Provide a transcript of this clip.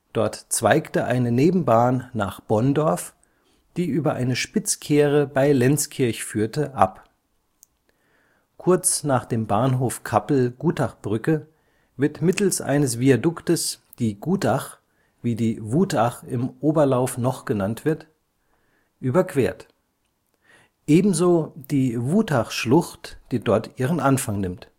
dort zweigte eine Nebenbahn nach Bonndorf, die über eine Spitzkehre bei Lenzkirch führte, ab. Kurz nach dem Bahnhof Kappel Gutachbrücke wird mittels eines Viaduktes die Gutach, wie die Wutach im Oberlauf noch genannt wird, überquert, ebenso die Wutachschlucht, die dort ihren Anfang nimmt